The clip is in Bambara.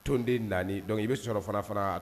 Tonden naani dɔnku i bɛ sɔrɔɔfana fana